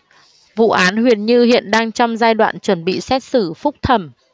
vụ án huyền như hiện đang trong giai đoạn chuẩn bị xét xử phúc thẩm